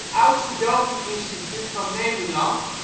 oudste doveninstituut van Nederland